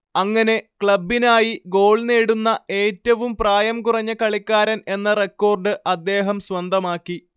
അങ്ങനെ ക്ലബ്ബിനായി ഗോൾ നേടുന്ന ഏറ്റവും പ്രായം കുറഞ്ഞ കളിക്കാരൻ എന്ന റെക്കോർഡ് അദ്ദേഹം സ്വന്തമാക്കി